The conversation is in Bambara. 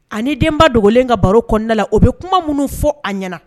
Ani denba dogolen ka baro kɔnɔna la, o bɛ kuma minnu fɔ a ɲɛna